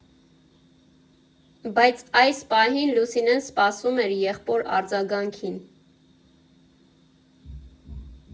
Բայց այս պահին Լուսինեն սպասում էր եղբոր արձագանքին։